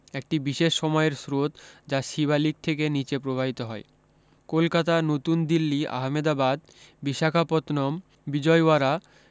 একটি বিশেষ সময়ের স্রোত যা শিবালিক থেকে নীচে প্রবাহিত হয় কলকাতা নতুন দিল্লী আহমেদাবাদ বিশাখাপত্তনম বিজয়ওয়াড়া